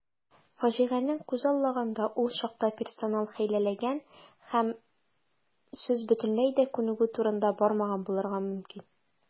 Фаҗигане күзаллаганда, ул чакта персонал хәйләләгән һәм сүз бөтенләй дә күнегү турында бармаган булырга мөмкин.